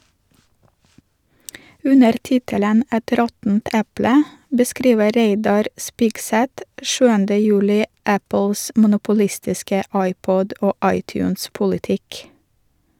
Under tittelen «Et råttent eple» beskriver Reidar Spigseth 7. juli Apples monopolistiske iPod- og iTunes-politikk.